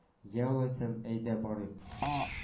— йә, алайсам, әйдә барыйк